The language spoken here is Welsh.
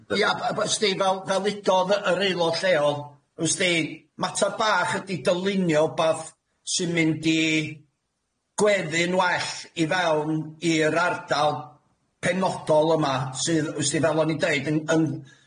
Ia, b- b- sdi fel fel ddudodd yy yr aelod lleol, ws'di, matar bach ydi dylunio wbath sy'n mynd i gweddu'n well i fewn i'r ardal penodol yma sydd ws'di fel o'n i'n deud yn yn